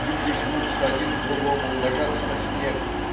Люди жмутся один к другому, ложатся на снег.